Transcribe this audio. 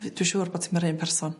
Dwi siŵr bot 'i'm yr un peron.